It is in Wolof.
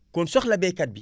kon soxla baykat bi